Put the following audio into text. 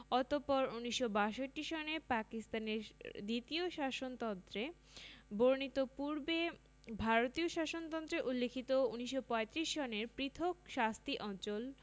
অতপর ১৯৬২ সনে পাকিস্তানের দ্বিতীয় শাসনতন্ত্রে বর্ণিত পূর্বে ভারতীয় শাসনতন্ত্রে উল্লিখিত ১৯৩৫ সনের পৃথক শাস্তি অঞ্চল